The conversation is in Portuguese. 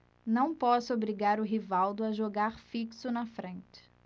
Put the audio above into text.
não posso obrigar o rivaldo a jogar fixo na frente